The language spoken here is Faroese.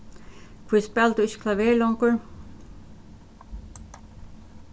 hví spælir tú ikki klaver longur